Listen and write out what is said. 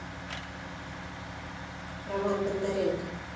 роман бондаренко